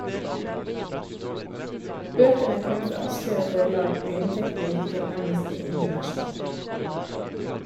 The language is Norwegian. Bøkene kom fra Aschehoug Forlag, og inntektene gikk til Amnesty International.